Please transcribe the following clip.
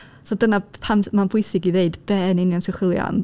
So dyna pam mae'n bwysig i ddeud be yn union ti'n chwilio am?